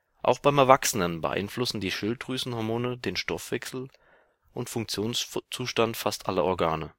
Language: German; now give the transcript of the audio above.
Auch beim Erwachsenen beeinflussen die Schilddrüsenhormone den Stoffwechsel und Funktionszustand fast aller Organe